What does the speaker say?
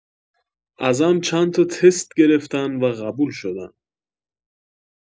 ازم چند تا تست گرفتن و قبول شدم